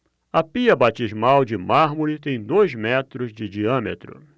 a pia batismal de mármore tem dois metros de diâmetro